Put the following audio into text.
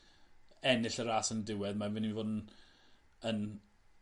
ennill y ras yn y diwedd mae myn' i fod yn yn